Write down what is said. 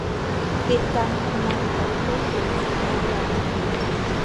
ปิดการทำงานของเครื่องดูดฝุ่นได้แล้ว